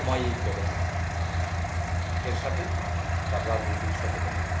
অমায়িক ব্যবহার এর সাথে তার রাজনীতি সচেতনতা